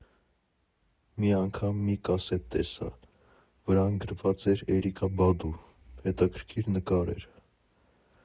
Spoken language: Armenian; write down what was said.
Մի անգամ մի կասետ տեսա՝ վրան գրված էր Էրիկա Բադու, հետաքրքիր նկար էր։